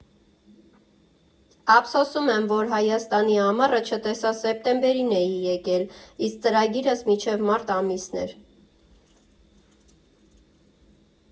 Ափսոսում եմ, որ Հայաստանի ամառը չտեսա՝ սեպտեմբերին էի եկել, իսկ ծրագիրս մինչև մարտ ամիսն էր։